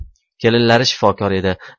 kelinlari shifokor edi